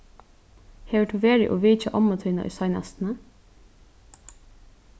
hevur tú verið og vitjað ommu tína í seinastuni